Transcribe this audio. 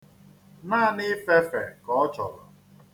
Naanị ịfefe ka ọ chọrọ.